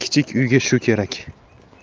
kichik uyga shu kerak